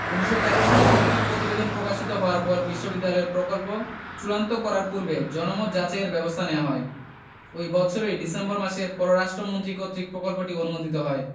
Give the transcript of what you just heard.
১৯১৩ সালে কমিটির প্রতিবেদন প্রকাশিত হওয়ার পর বিশ্ববিদ্যালয়ের প্রকল্প চূড়ান্ত করার পূর্বে জনমত যাচাইয়ের ব্যবস্থা নেওয়া হয় ঐ বৎসরই ডিসেম্বর মাসে পররাষ্ট্র মন্ত্রী কর্তৃক প্রকল্পটি অনুমোদিত হয়